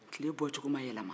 tile bɔcogo ma yɛlɛma